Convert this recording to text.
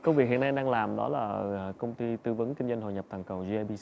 công việc hiện nay đang làm đó là ở công ty tư vấn kinh doanh hội nhập toàn cầu ri ai bi